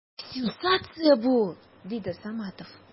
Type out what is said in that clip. Сенсация бу! - диде Саматов.